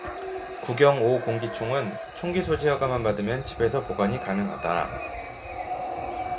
구경 오 공기총은 총기소지 허가만 받으면 집에서 보관이 가능하다